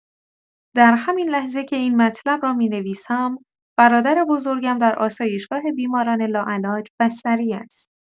در همین لحظه که این مطلب را می‌نویسم، برادر بزرگم در آسایشگاه بیماران لاعلاج بستری است.